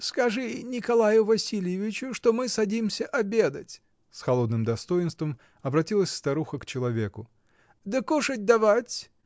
— Скажи Николаю Васильевичу, что мы садимся обедать, — с холодным достоинством обратилась старуха к человеку. — Да кушать давать!